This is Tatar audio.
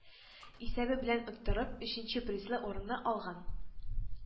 Исәбе белән оттырып, өченче призлы урынны алган.